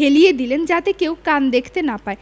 হেলিয়ে দিলেন যাতে কেউ কান দেখতে না পায়